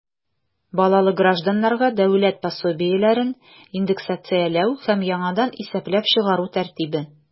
Балалы гражданнарга дәүләт пособиеләрен индексацияләү һәм яңадан исәпләп чыгару тәртибе.